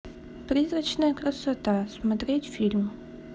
призрачная красота смотреть фильм